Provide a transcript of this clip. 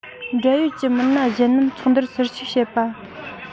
འབྲེལ ཡོད ཀྱི མི སྣ གཞན རྣམས ཚོགས འདུར ཟུར ཞུགས བྱེད པ